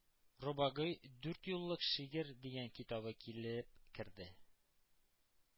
Робагый – дүртьюллык шигырь дигән китабы килеп керде